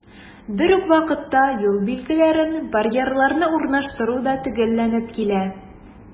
Бер үк вакытта, юл билгеләрен, барьерларны урнаштыру да төгәлләнеп килә.